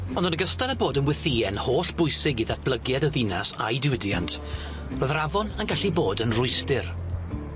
On' yn ogystal â bod yn wythien hollbwysig i ddatblygiad y dinas a'i diwydiant ro'dd yr afon yn gallu bod yn rwystyr.